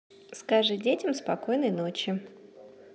скажи детям спокойной ночи